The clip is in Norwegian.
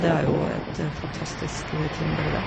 Det er jo et fantastisk ting, bare det.